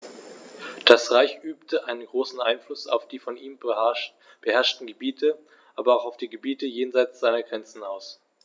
Das Reich übte einen großen Einfluss auf die von ihm beherrschten Gebiete, aber auch auf die Gebiete jenseits seiner Grenzen aus.